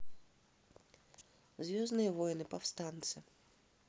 звездные войны повстанцы